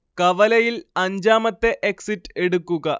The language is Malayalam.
കവലയിൽ അഞ്ചാമത്തെ എക്സിറ്റ് എടുക്കുക